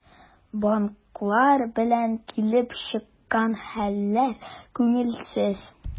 Банклар белән килеп чыккан хәлләр күңелсез.